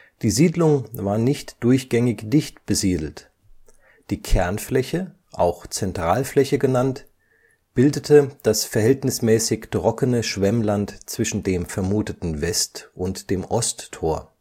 Die Siedlung war nicht durchgängig dicht besiedelt. Die Kernfläche („ Zentralfläche “) bildete das verhältnismäßig trockene Schwemmland zwischen dem vermuteten West - und dem Osttor